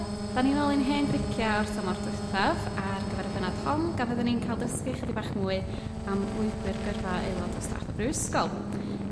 'Dan ni nôl i'n hen dricia o'r tymor dwythaf ar gyfer y bennod hon ga' fyddwn ni'n ca'l dysgu 'chydig bach mwy am lwybyr gyrfa aelod o staff y Brifysgol.